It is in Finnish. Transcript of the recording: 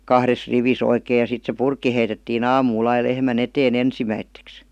kahdessa rivissä oikein ja sitten se purkki heitettiin aamulla aina lehmän eteen ensimmäiseksi